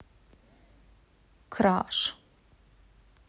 crash